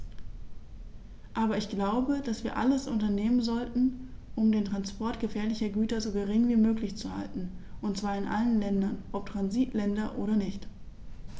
Aber ich glaube, dass wir alles unternehmen sollten, um den Transport gefährlicher Güter so gering wie möglich zu halten, und zwar in allen Ländern, ob Transitländer oder nicht.